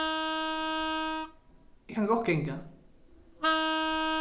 eg kann gott ganga